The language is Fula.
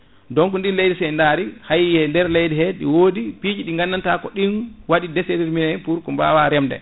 donc ndi leydi se en daari hayi e nder leydi he ne wodi piiƴi ɗi gandanta ko ɗin waɗi déterminé pour ko bawa reemde